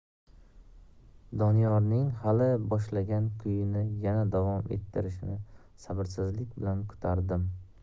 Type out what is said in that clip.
doniyorning hali boshlagan kuyini yana davom ettirishini sabrsizlik bilan kutardim